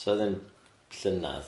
So o'dd hyn llynadd?